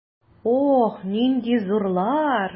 Ох, нинди зурлар!